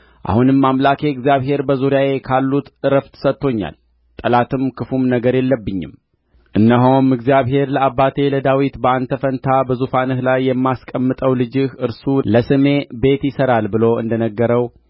አሁንም አምላኬ እግዚአብሔር በዙሪያዬ ካሉት ዕረፍት ሰጥቶኛል ጠላትም ክፉም ነገር የለብኝም እነሆም እግዚአብሔር ለአባቴ ለዳዊት በአንተ ፋንታ በዙፋንህ ላይ የማስቀምጠው ልጅህ እርሱ ለስሜ ቤት ይሠራል ብሎ እንደ ነገረው